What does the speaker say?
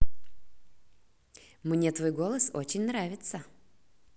мне твой голос очень нравится